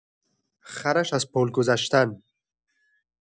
خرش از پل گذشتن